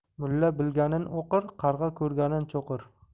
mulla bilganin o'qir qarg'a ko'rganin cho'qir